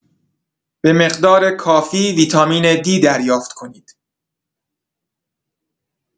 به مقدار کافی ویتامین D دریافت کنید.